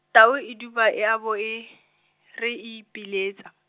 tau e duma e a bo e, re ipeletsa.